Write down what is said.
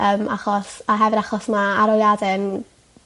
Yym achos a hefyd achos ma' aroliade'n